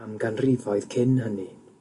am ganrifoedd cyn hynny.